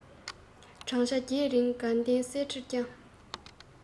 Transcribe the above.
བགྲང བྱ བརྒྱད རིང དགའ ལྡན གསེར ཁྲི བསྐྱངས